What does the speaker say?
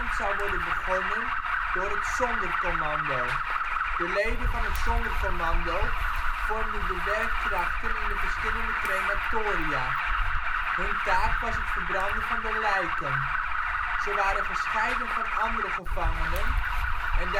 zou worden begonnen door het Sonderkommando. De leden van het Sonderkommando vormden de werkkrachten in de verschillende crematoria: hun taak was het verbranden van de lijken. Ze waren gescheiden van andere gevangenen en